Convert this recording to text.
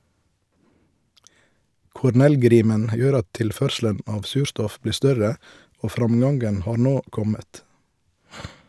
Cornell-grimen gjør at tilførselen av surstoff blir større og framgangen har nå kommet.